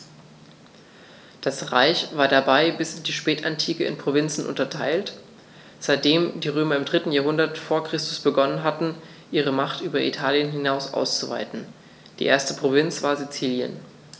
Das Reich war dabei bis in die Spätantike in Provinzen unterteilt, seitdem die Römer im 3. Jahrhundert vor Christus begonnen hatten, ihre Macht über Italien hinaus auszuweiten (die erste Provinz war Sizilien).